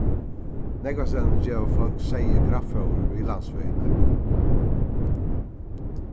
nógvastaðni geva fólk seyði kraftfóður við landsvegirnar